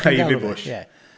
Ivy Bush.